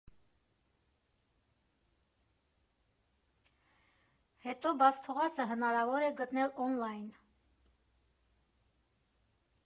Հետո բաց թողածը հնարավոր է գտնել օնլայն։